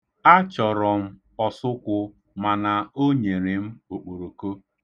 Achọrọ m ọsụkwụ, mana o nyere m okporoko.